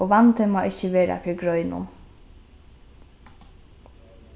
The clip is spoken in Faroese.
og vandi má ikki vera fyri greinum